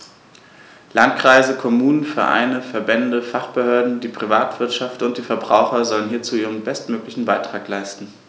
Landkreise, Kommunen, Vereine, Verbände, Fachbehörden, die Privatwirtschaft und die Verbraucher sollen hierzu ihren bestmöglichen Beitrag leisten.